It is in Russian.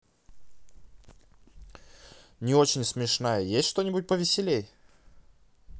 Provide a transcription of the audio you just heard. не очень смешная есть что нибудь повеселее